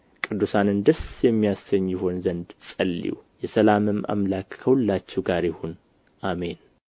ቅዱሳንን ደስ የሚያሰኝ ይሆን ዘንድ ጸልዩ የሰላምም አምላክ ከሁላችሁ ጋር ይሁን አሜን